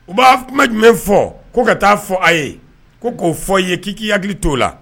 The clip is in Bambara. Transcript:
U b'a kuma ma jumɛn fɔ' ka taa fɔ a ye ko k'o fɔ ye k'i'i hakili t to o la